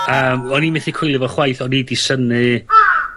Yym o'n i methu coelio fo chwaith. O'n i 'di synnu